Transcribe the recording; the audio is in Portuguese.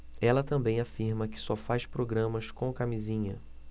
ela também afirma que só faz programas com camisinha